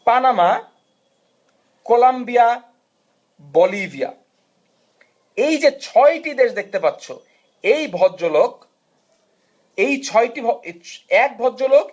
Panama Colombia Bolivia এ যে 6 টি দেশ দেখতে পাচ্ছ এই ভদ্রলোক এক ভদ্রলোক